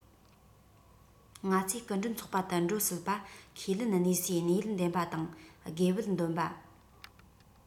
ང ཚོའི སྐུ མགྲོན ཚོགས པ དུ འགྲོ སྲིད པ ཁས ལེན གནས སའི གནས ཡུལ འདེམས པ དང དགེ བེད འདོན པ